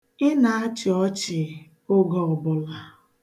Ị na-achị ọchị oge ọbụla.